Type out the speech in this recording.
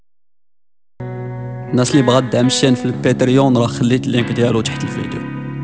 نصيب غدا مشين في البيت ريومر خليت لك الفيديو